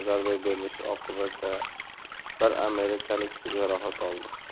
zarba berilishi oqibatida bir amerikalik jarohat oldi